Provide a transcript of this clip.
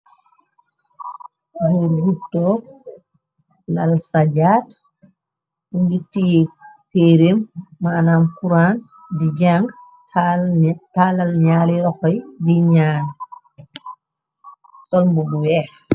Lu luto lal sajaat ngir tii kerem maanam kuraan di jang taalal ñaali roxoy di ña tolmb bu weex.